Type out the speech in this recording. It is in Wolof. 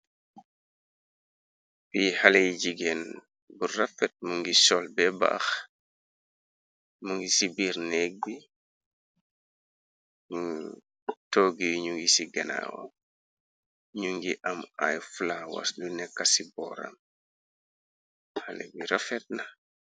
Eye xaley yu jigéen bu rafet mungi sol beebaax mu ngi ci biir néeg bi toogu ye ñu ngi ci genaawa ñu ngi am i flowas lu nekka ci booram xale bi rafet na.